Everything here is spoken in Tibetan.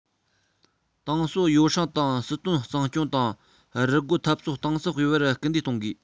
༄༅ ཏང སྲོལ ཡོ བསྲང དང སྲིད དོན གཙང སྐྱོང དང རུལ རྒོལ འཐབ རྩོད གཏིང ཟབ སྤེལ བར སྐུལ འདེད གཏོང དགོས